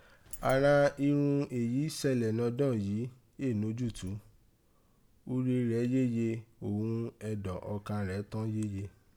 Àghan irun èyí sẹlẹ̀ nọdọ́n yìí éè nójúùtú, ure rẹ̀́ yéye òghun ẹ̀dọ̀n ọkan rẹ̀ tọ́n yéye.